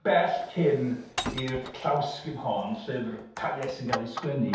Bell cyn i'r llawysgrif hon Llyfr Taliesin gael ei 'sgwennu...